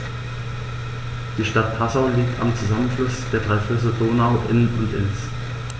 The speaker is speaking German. Die Stadt Passau liegt am Zusammenfluss der drei Flüsse Donau, Inn und Ilz.